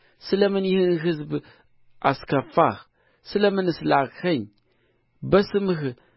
ስለ ምን ይህን ሕዝብ አስከፋህ ስለ ምንስ ላክኸኝ በስምህ